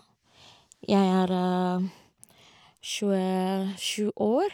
Jeg er tjuesju år.